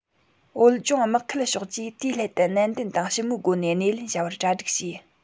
བོད ལྗོངས དམག ཁུལ ཕྱོགས ཀྱིས དེའི སླད དུ ནན ཏན དང ཞིབ མོའི སྒོ ནས སྣེ ལེན བྱ བར གྲ སྒྲིག བྱས